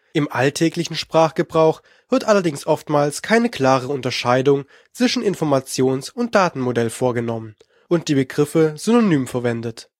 Im alltäglichen Sprachgebrauch wird allerdings oftmals keine klare Unterscheidung zwischen Informations - und Datenmodell vorgenommen und die Begriffe synonym verwendet